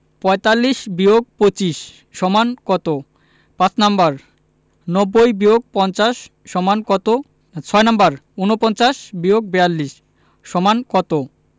৪৫-২৫ = কত ৫ নাম্বার ৯০-৫০ = কত ৬ নাম্বার ৪৯-৪২ = কত